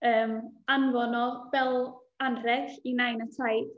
Yym, anfon o fel anrheg i Nain a Taid.